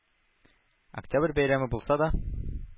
Октябрь бәйрәме булса да